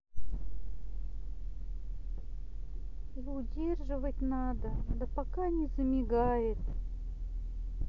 и удерживать надо да пока не замигает